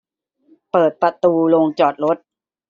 เปิดประตูโรงจอดรถ